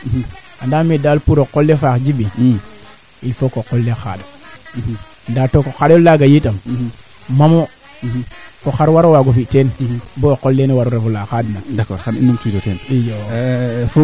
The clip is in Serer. o duufa nga maaga mbaan kaaf kaaga ka engrais a kaaf kaaga mayu koy a mbaa ñako ngaƴ teen xel ndaa le faite que fi'a noona areer soo ren o fi'ii din kaaf areer ke fi a noona fagun faak kaa dimle a kaaf kaaga ande ngaaf a